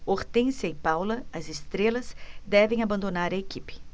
hortência e paula as estrelas devem abandonar a equipe